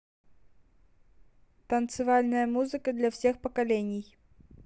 танцевальная музыка для всех поколений